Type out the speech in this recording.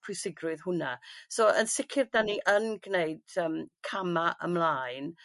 pwysigrwydd hwnna. So yn sicir 'dan ni yn gneud yym cama' ymlaen.